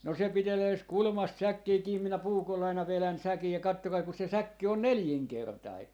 no se pitelee - kulmasta säkkiä kiinni minä puukolla aina vedän säkin ja katsokaa kun se säkki on nelinkertainen